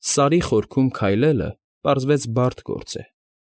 Սարի խորքում քայլելը, պարզվեց, բարդ գործ է։